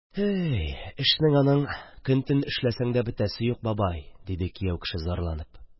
Әәй, эшнең аның көн-төн эшләсәң дә бетәсе юк, бабай, – диде кияү кеше, зарланып.